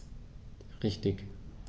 Richtig